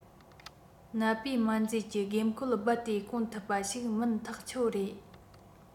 ནད པའི སྨན རྫས ཀྱི དགོས མཁོ རྦད དེ སྐོང ཐུབ པ ཞིག མིན ཐག ཆོད རེད